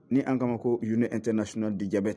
Ni an kama ko ɲin n tɛ nasona de jabe